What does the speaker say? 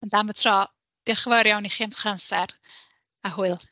Ond am y tro, diolch yn fawr iawn i chi am eich amser a hwyl.